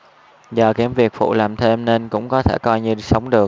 giờ kiếm việc phụ làm thêm nên cũng có thể coi như sống được